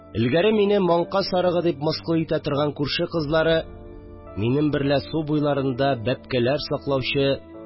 Элгәре мине маңка сарыгы дип мыскыл итә торган күрше кызлары, минем берлә су буйларында бәбкәләр саклаучы